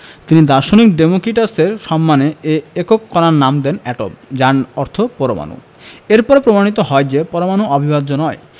তিনি দার্শনিক ডেমোক্রিটাসের সম্মানে এ একক কণার নাম দেন এটম যার অর্থ পরমাণু এর পরে প্রমাণিত হয় যে পরমাণু অবিভাজ্য নয়